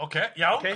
Ocê, iawn!